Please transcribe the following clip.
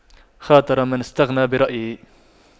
خاطر من استغنى برأيه